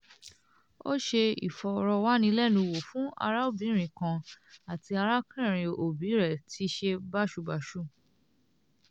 Ó ṣe ìfọ̀rọ̀wánilẹ́nuwò fún arábìnrin kan tí arákùnrin òbí rẹ̀ ti ṣe báṣubàsu.